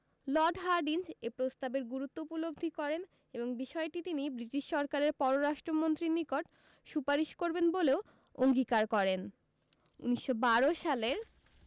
Lord Hardinge এ প্রস্তাবের গুরুত্ব উপলব্ধি করেন এবং বিষয়টি তিনি ব্রিটিশ সরকারের পররাষ্ট্র মন্ত্রীর নিকট সুপারিশ করবেন বলেও অঙ্গীকার করেন ১৯১২ সালের